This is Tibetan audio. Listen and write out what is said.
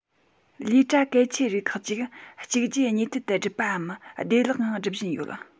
ལས གྲྭ གལ ཆེ རིགས ཁག ཅིག གཅིག རྗེས གཉིས མཐུད དུ བསྒྲུབས པའམ བདེ བླག ངང སྒྲུབ བཞིན ཡོད